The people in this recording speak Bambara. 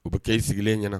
U bɛ kɛri sigilen ɲɛna